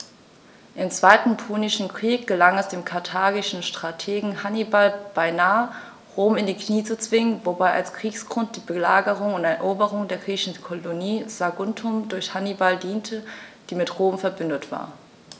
Im Zweiten Punischen Krieg gelang es dem karthagischen Strategen Hannibal beinahe, Rom in die Knie zu zwingen, wobei als Kriegsgrund die Belagerung und Eroberung der griechischen Kolonie Saguntum durch Hannibal diente, die mit Rom „verbündet“ war.